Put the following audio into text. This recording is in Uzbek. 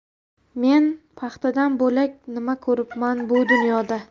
men paxtadan bo'lak nima ko'ribman bu dunyoda